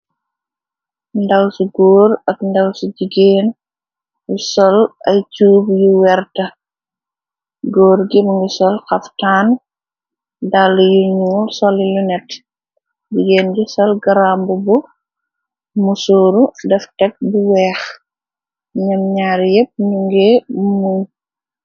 Ndaw ci góor ak ndaw ci jigeen u sol ay cuub yu werta góor gim ngi sol xaftaan dàl yuñu soli lu net jigéen ji sol grambubu mu sooru def tek bu weex ñem ñyaar yépp ñu nge muñ.